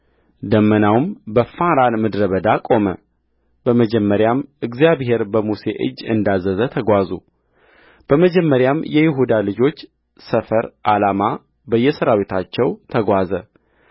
ደመናውም በፋራን ምድረ በዳ ቆመበመጀመሪያም እግዚአብሔር በሙሴ እጅ እንዳዘዘ ተጓዙበመጀመሪያም የይሁዳ ልጆች ሰፈር ዓላማ በየሠራዊታቸው ተጓዘ